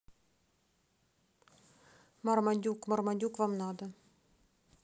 мармадюк мармадюк вам надо